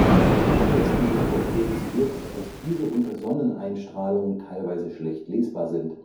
Von Fahrgästen wird jedoch kritisiert, dass diese unter Sonneneinstrahlung teilweise schlecht lesbar sind